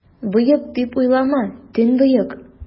Боек, дип уйлама, төнбоек!